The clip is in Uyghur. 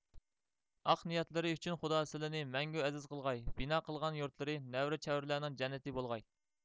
ئاق نىيەتلىرى ئۈچۈن خۇدا سىلىنى مەڭگۈ ئەزىز قىلغاي بىنا قىلغان يۇرتلىرى نەۋرە چەۋرىلەرنىڭ جەننىتى بولغاي